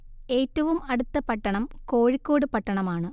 ഏറ്റവും അടുത്ത പട്ടണം കോഴിക്കോട് പട്ടണമാണ്